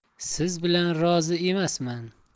siz bilan rozi emasman